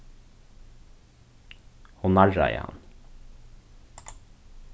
hon narraði hann